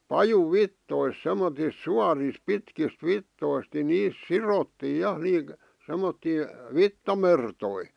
pajunvitsoista semmoisista suorista pitkistä vitsoista niin niistä sidottiin ja semmoisia vitsamertoja